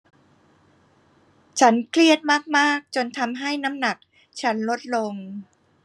ฉันเครียดมากมากจนทำให้น้ำหนักฉันลดลง